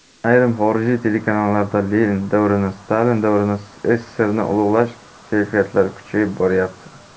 ayrim xorijiy telekanallarda lenin davrini stalin davrini sssrni ulug'lash kayfiyatlari kuchayib boryapti